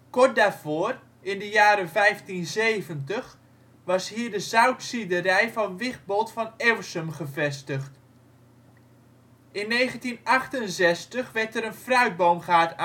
Kort daarvoor (in de jaren 1570) was hier de zoutziederij van Wigbolt van Ewsum gevestigd. In 1968 werd er een fruitboomgaard aangeplant